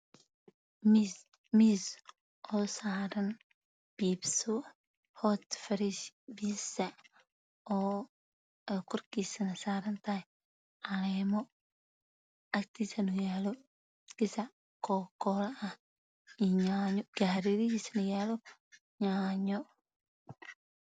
Miis oo saaran biibso oo ay korkiisa saran thy calemo gasac ko kola ah iyo yaan yo